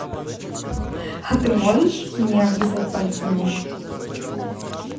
а ты можешь мне облизать пальцы ног